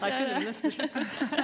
har ikke du nesten sluttet?